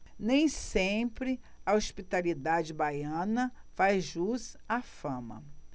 nem sempre a hospitalidade baiana faz jus à fama